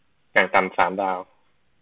อย่างต่ำสามดาว